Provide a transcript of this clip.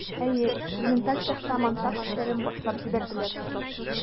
Әйе, эксперименталь цехта монтаж эшләрен башлап җибәрделәр.